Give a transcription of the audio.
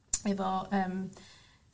... efo yym